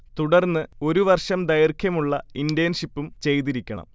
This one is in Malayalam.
തുടർന്ന് ഒരു വർഷം ദൈർഘ്യമുള്ള ഇന്റേൺഷിപ്പും ചെയ്തിരിക്കണം